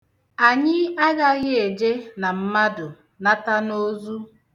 Anyị agaghị eje na mmadụ, nata n'ozu!